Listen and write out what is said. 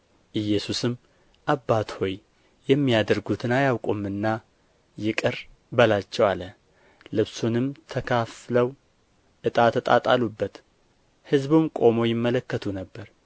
ኢየሱስም አባት ሆይ የሚያደርጉትን አያውቁምና ይቅር በላቸው አለ ልብሱንም ተካፍለው ዕጣ ተጣጣሉበት ሕዝቡም ቆመው ይመለከቱ ነበር